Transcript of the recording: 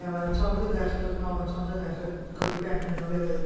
ma' Tom Rhydderch yn dod yn ôl, ma' Tom Rydderch yn codi ben y nofelydd.